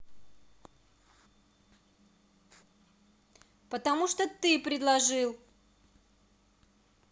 потому что ты предложил